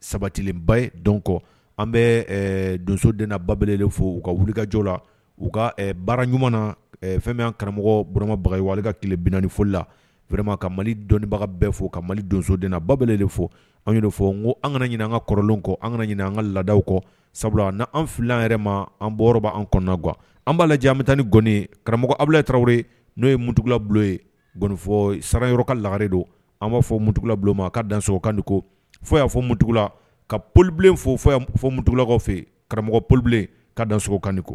Sabatiba ye dɔn kɔ an bɛ donsod babele de fo u ka wulikajɔo la u ka baara ɲuman na fɛn karamɔgɔ buramabaga ka tilebnifo la fɛma ka mali dɔnniibaga bɛ fo ka mali donsodna babele de fo an fɔ n ko an ka ɲininka an ka kɔrɔlɔn kɔ an ka ɲin an ka laadadaw kɔ sabula n an fili yɛrɛ ma an bɔba an kɔnɔ gan an b'a lajɛ an bɛ taa ni gnen karamɔgɔ abuye tarawelewri n'o ye mutulabu ye gɔnifɔ saga yɔrɔ ka lagare don an b'a fɔ mutula bulon ma ka daso kan ko fɔ y'a fɔ muugula ka polibilen fɔ mutuugula fɛ karamɔgɔ polibilen ka da sogokan ko